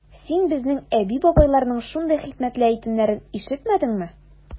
Син безнең әби-бабайларның шундый хикмәтле әйтемнәрен ишетмәдеңме?